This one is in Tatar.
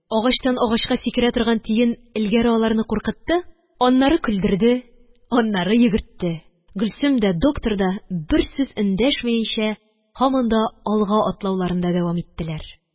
Агачтан агачка сикерә торган тиен элгәре аларны куркытты. Аннары көлдерде, аннары йөгертте. Гөлсем дә, доктор да, бер сүз эндәшмәенчә, һаман алга атлауларында дәвам иттеләр